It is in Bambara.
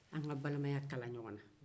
an ka balimaya kala ɲɔgɔn na